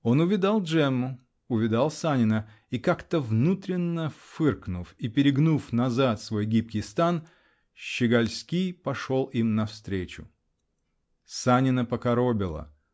Он увидал Джемму, увидал Санина -- и, как-то внутренно фыркнув и перегнув назад свой гибкий стан, щегольски пошел им навстречу. Санина покоробило